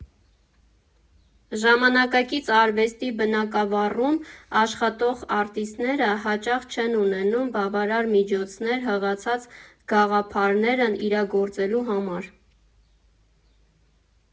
Ժամանակակից արվեստի բնագավառում աշխատող արտիստները հաճախ չեն ունենում բավարար միջոցներ հղացած գաղափարներն իրագործելու համար.